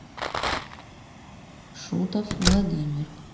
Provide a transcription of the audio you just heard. шутов владимир